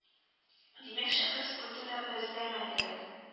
Димәк шәхес культы да бездә мәңгелек